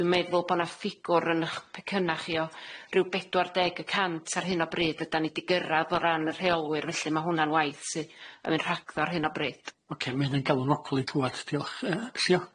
Dwi'n meddwl bo' na' ffigwr yn ych pecynna chi o ryw bedwar deg y cant ar hyn o bryd ydan ni di gyrradd o ran y rheolwyr felly ma' hwnna'n waith sy yn myn' rhagddo ar hyn o bryd. Oce ma' hynna'n galw'n ogl i clwad, diolch, Llio?